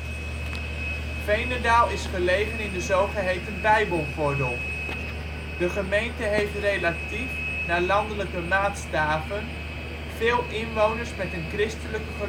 Veenendaal is gelegen in de zogeheten Bijbelgordel. De gemeente heeft relatief (naar landelijke maatstaven) veel inwoners met een christelijke geloofsovertuiging